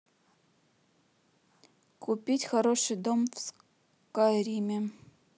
купить хороший дом в скайриме